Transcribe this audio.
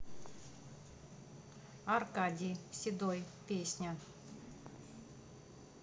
аркадий седой песня